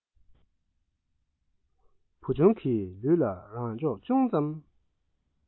བུ ཆུང གིས ལུས ལ རང ལྕོགས ཅུང ཙམ